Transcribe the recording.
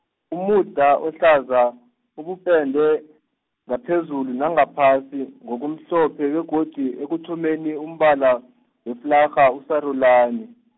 umuda ohlaza ubupente, ngaphezulu nangaphasi ngokumhlophe begodu ekuthomeni umbala, weflarha usarulani.